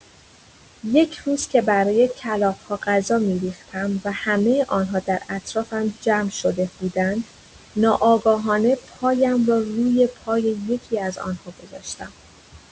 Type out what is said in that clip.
یک روز که برای کلاغ‌ها غذا می‌ریختم و همه آن‌ها در اطرافم جمع شده بودند، ناآگاهانه پایم را روی پای یکی‌از آن‌ها گذاشتم.